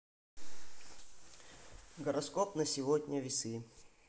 гороскоп на сегодня весы